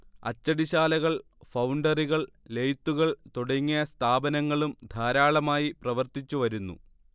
അച്ചടിശാലകൾ, ഫൗണ്ടറികൾ, ലെയ്ത്തുകൾ തുടങ്ങിയ സ്ഥാപനങ്ങളും ധാരാളമായി പ്രവർത്തിച്ചു വരുന്നു